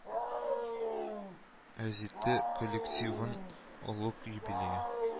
Гәзите коллективын олуг юбилее